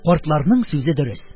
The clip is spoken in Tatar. Картларның сүзе дөрес: